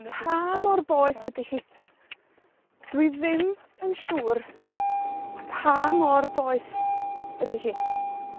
pa mor boeth ydi hi. Dwi ddim yn siŵr pa mor boeth ydi hi.